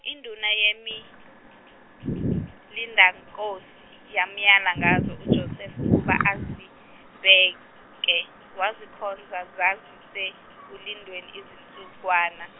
induna yemilindankosi yamyala ngazo uJosefa ukuba azibheke, wazikhonza zazisekulindweni izinsukwana.